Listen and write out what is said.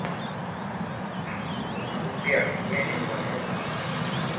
сбер я не понял